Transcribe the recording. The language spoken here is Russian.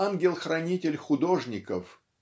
ангел-хранитель художников